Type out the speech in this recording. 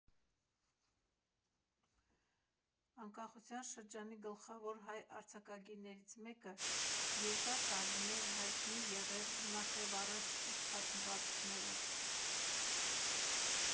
Անկախության շրջանի գլխավոր հայ արձակագիրներից մեկը երկար տարիներ հայտնի եղել նախևառաջ իր պատմվածքներով։